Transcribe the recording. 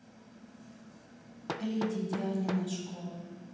леди дианина школа